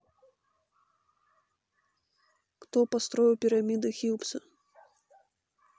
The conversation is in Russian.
кто построил прамиды фелпса